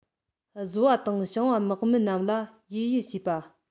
བཟོ པ དང ཞིང པ དམག མི རྣམས ལ ཡུད ཡུད བྱེད པ